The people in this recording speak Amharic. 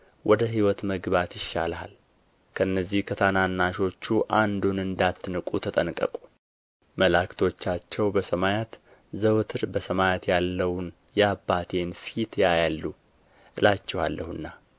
ወደ ሕይወት መግባት ይሻልሃል ከነዚህ ከታናናሾቹ አንዱን እንዳትንቁ ተጠንቀቁ መላእክቶቻቸው በሰማያት ዘወትር በሰማያት ያለውን የአባቴን ፊት ያያሉ እላችኋለሁና